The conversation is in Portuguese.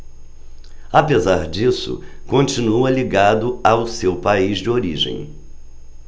apesar disso continua ligado ao seu país de origem